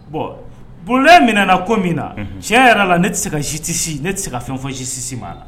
Bon minɛna ko min na tiɲɛ yɛrɛ la ne tɛ se ka justice ne tɛ se ka fɛn fɔ justice ma a la